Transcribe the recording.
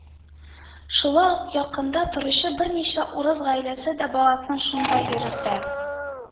Шулай ук якында торучы берничә урыс гаиләсе дә баласын шунда йөретә